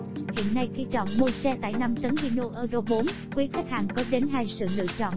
hiện nay khi chọn mua xe tải tấn hino euro quý khách hàng có đến sự lựa chọn là